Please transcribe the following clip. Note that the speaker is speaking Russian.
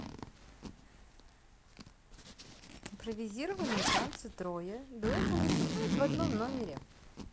импровизированные танцы троя дуэтом выступают в одном номере